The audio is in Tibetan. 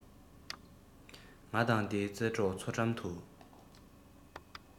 ང དང དའི རྩེ གྲོགས འཚོ གྲམ དུ